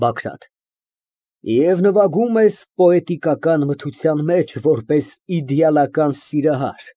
ԲԱԳՐԱՏ ֊ Եվ նվագում ես պոետիկական մթության մեջ, որպես իդեալական սիրահար։